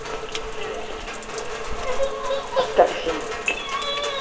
отторжение